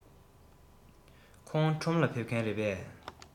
ཁོང ཁྲོམ ལ ཕེབས མཁན རེད པས